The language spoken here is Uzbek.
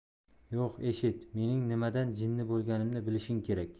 yo'q eshit mening nimadan jinni bo'lganimni bilishing kerak